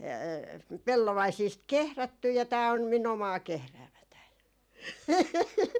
pellovaisista kehrätty ja tämä on minun omaa kehräämääni